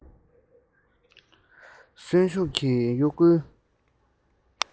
གསོན ཤུགས ཀྱི གཡོ འགུལ